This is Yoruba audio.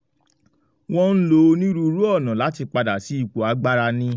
”Wọ́n ń lo onírúurú ọ̀nà láti padà sí ipò agbára ni.